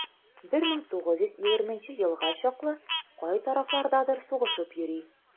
1920 елга чаклы кай тарафлардадыр сугышып йөри.